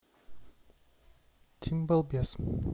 тим балбес